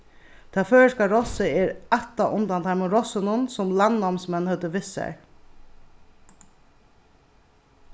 tað føroyska rossið er ættað undan teimum rossunum sum landnámsmenn høvdu við sær